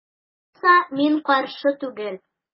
Алай булса мин каршы түгел.